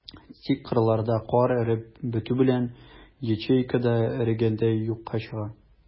Тик кырларда кар эреп бетү белән, ячейка да эрегәндәй юкка чыга.